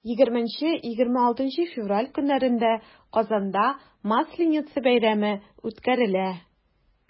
20-26 февраль көннәрендә казанда масленица бәйрәме үткәрелә.